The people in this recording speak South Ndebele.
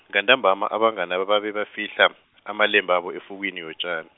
ngantambama abanganaba babe bafihla, amalembabo efukwini yotjani.